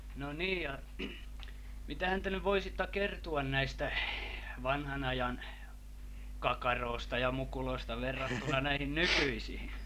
No niij ja, mitähän te nyv voisitta kertuan näistä, vanhan ajan, kakaroosta ja mukuloista verrattuna näihin nykyisihin?